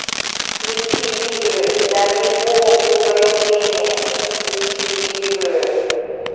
включи игры дай мне похуй твое мнение включи игры